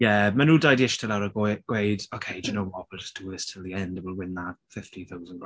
Ie ma' nhw dau 'di ishte lawr a gwe- gweud "ok d'you know what? we'll just do this 'til the end and we'll win that fifty thousand."